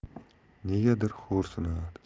negadir xo'rsinadi